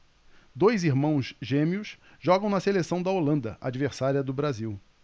dois irmãos gêmeos jogam na seleção da holanda adversária do brasil